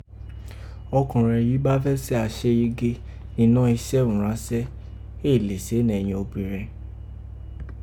ọkọ̀nrẹn yìí ba fẹ́ se aseyege ninọ́ usẹ iranse, éè le se nẹ̀yìn obìrẹn.